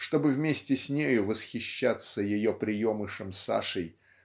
чтобы вместе с нею восхищаться ее приемышем Сашей